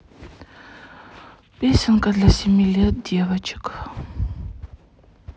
песенка для семи лет девочек